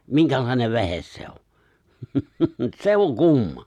minkälainen vehje se on se on kumma